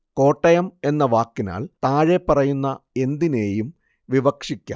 കോട്ടയം എന്ന വാക്കിനാൽ താഴെപ്പറയുന്ന എന്തിനേയും വിവക്ഷിക്കാം